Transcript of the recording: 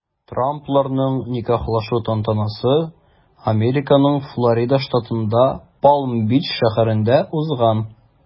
Трампларның никахлашу тантанасы Американың Флорида штатында Палм-Бич шәһәрендә узган.